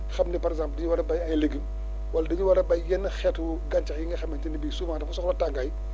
xam ne par exemple dañu war a béy ay légumes wala dañu war a béy yenn xeetu gàncax yi nga xamante ne bii souvent dafa soxla tàngaay